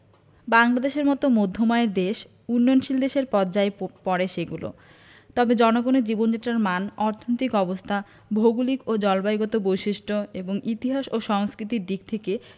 বাংলাদেশের মতো মধ্যম আয়ের এবং উন্নয়নশীল দেশের পর্যায়ে পড়ে সেগুলো তবে জনগণের জীবনযাত্রার মান অর্থনৈতিক অবস্থা ভৌগলিক ও জলবায়ুগত বৈশিষ্ট্য এবং ইতিহাস ও সংস্কৃতির দিক থেকে